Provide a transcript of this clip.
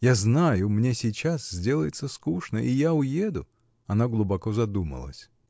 Я знаю, мне сейчас сделается скучно, и я уеду. Она глубоко задумалась.